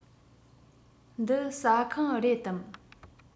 འདི ཟ ཁང རེད དམ